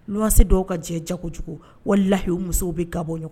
Luwanse dɔw ka jɛ diya kojugu walahi u musow bɛ gabɔ ɲɔgɔn kɔrɔ